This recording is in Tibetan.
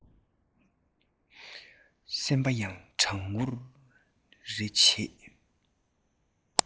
སེམས པ ཡང གྲང འུར རེ བྱས